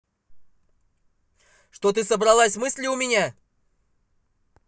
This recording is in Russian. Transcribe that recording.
что ты собралась мысли у меня